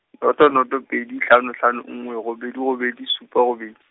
noto noto pedi hlano hlano nngwe robedi robedi supa robedi.